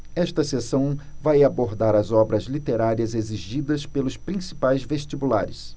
esta seção vai abordar as obras literárias exigidas pelos principais vestibulares